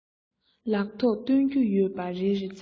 ལག ཐོག སྟོན རྒྱུ ཡོད པ རེ རེ ཙམ